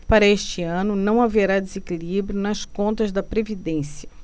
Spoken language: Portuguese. para este ano não haverá desequilíbrio nas contas da previdência